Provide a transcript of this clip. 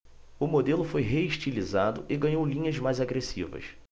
o modelo foi reestilizado e ganhou linhas mais agressivas